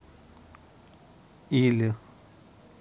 или